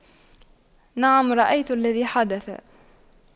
نعم رأيت الذي حدث